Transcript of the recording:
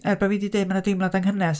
Er bo' fi 'di deud ma' 'na deimlad anghynnes...